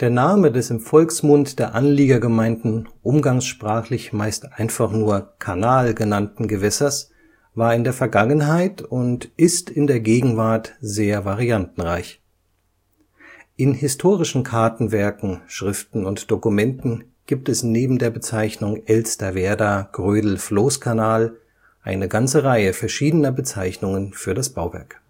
Name des im Volksmund der Anliegergemeinden umgangssprachlich meist einfach nur Kanal genannten Gewässers war in der Vergangenheit und ist in der Gegenwart sehr variantenreich. In historischen Kartenwerken, Schriften und Dokumenten gibt es neben der Bezeichnung Elsterwerda-Grödel-Floßkanal eine ganze Reihe verschiedener Bezeichnungen für das Bauwerk